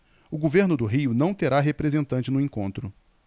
o governo do rio não terá representante no encontro